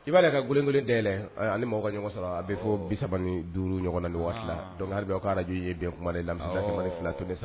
I ba lajɛ ka gelen gelen dayɛlɛ a ni mɔgɔ ka ɲɔgɔn sɔrɔ a bɛ fɔ 35 ɲɔgɔn na aw Radio ye bɛn la fila to sa